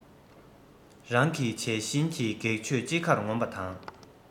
རང གི བྱད བཞིན གྱི སྒེག ཆོས ཅི འགར ངོམ པ དང